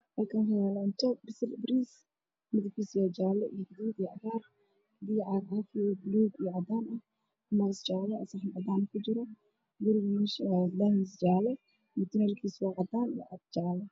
Halkaan waxaa yaalo toob basal bariis midabkiisa yahay jaalle gaduud iyo cagaar biyo caag caafi baluug iyo cadaan moos jaalle ah saxan cadaan ku jira guriya meesha eh daahaas waa waa jaalle mutuleedkiisa waa cadaan iyo jaalle.